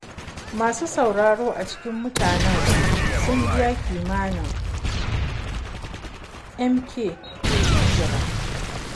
Masu sauraro a cikin mutanen sun biya kimanin MK 20.